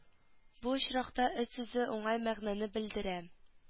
Бу очракта эт сүзе уңай мәгънәне белдерә